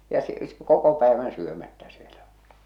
ja - koko päivän syömättä siellä oli